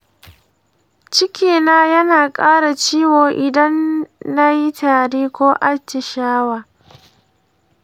cikina yana ƙara ciwo idan na yi tari ko atishawa.